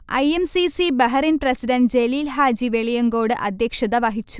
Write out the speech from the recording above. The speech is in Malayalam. I. M. C. C. Bahrain president Jaleel Haji Veliyancode അദ്ധ്യക്ഷത വഹിച്ചു